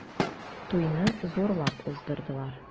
Туйны зурлап уздырдылар.